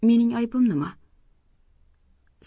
lekin mening aybim nima